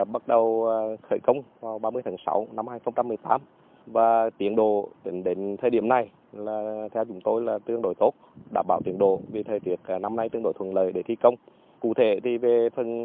bắt đầu khởi công vào ba mươi tháng sáu năm hai không trăm mười tám và tiến độ tính đến thời điểm này là theo chúng tôi là tương đối tốt đảm bảo tiến độ vì thời tiết cả năm nay tương đối thuận lợi để thi công cụ thể thì về phần